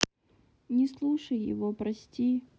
не слушай его прости